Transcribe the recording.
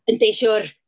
Yndi, siŵr!